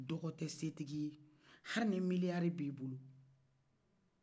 dɔgɔ tɛ setigiye hali ni milliard b'i kun